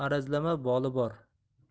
arazlama boli bor